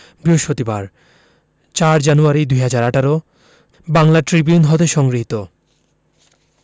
বৃহস্পতিবার ০৪ জানুয়ারি ২০১৮ বাংলা ট্রিবিউন হতে সংগৃহীত